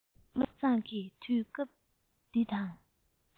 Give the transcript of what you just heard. བློ བཟང གིས དུས སྐབས འདི དང